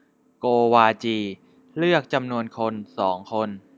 โกวาจีเลือกจำนวนคนสองคน